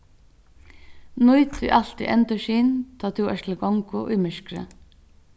nýt tí altíð endurskin tá tú ert til gongu í myrkri